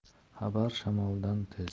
xabar shamoldan tez